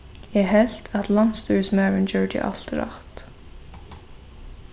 eg helt at landsstýrismaðurin gjørdi alt rætt